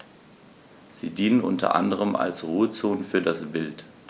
Sie dienen unter anderem als Ruhezonen für das Wild.